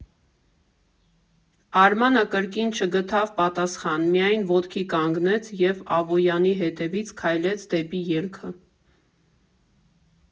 Արմանը կրկին չգտավ պատասխան, միայն ոտքի կանգնեց և Ավոյանի հետևից քայլեց դեպի ելքը։